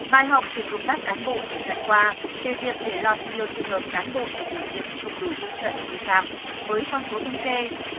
bài học từ công tác cán bộ thời gian qua về việc để lọt nhiều trường hợp cán bộ được bổ nhiệm không đủ tiêu chuẩn vi phạm với con số thống kê